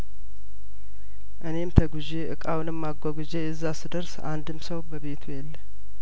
እኔም ተጉዤ እቃውንም አጓጉዤ እዛ ስደርስ አንድም ሰው በቤቱ የለ